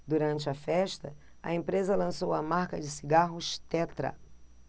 durante a festa a empresa lançou a marca de cigarros tetra